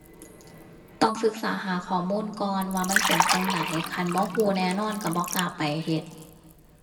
ต้องศึกษาหาข้อมูลก่อนว่ามันเป็นจั่งใด คันบ่รู้แน่นอนรู้บ่กล้าไปเฮ็ด